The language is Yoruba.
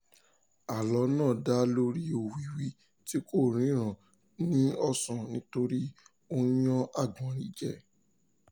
Àlọ́ náà dá lóríi òwìwí tí kò ríran ní ọ̀sán nítorí ó yan àgbọ̀nrín jẹ.